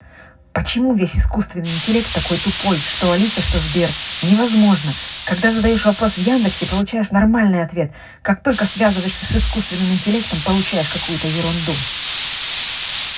почему весь искусственный интеллект такой тупой что алиса что сбер невозможно когда задаешь вопрос в яндексе получаешь нормальный ответ как только связываешься с искусственным интеллектом получаешь какую то ерунду